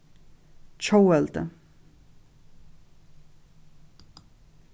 tjóðveldi